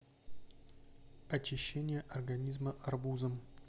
очищение организма арбузом